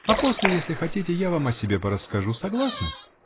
А после, если хотите, я вам о себе порасскажу. Согласны?